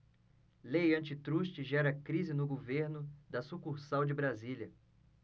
lei antitruste gera crise no governo da sucursal de brasília